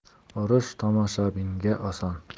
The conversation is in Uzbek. urush tomoshabinga oson